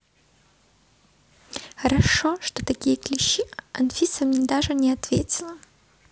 хорошо что такие клещи анфиса мне даже не ответила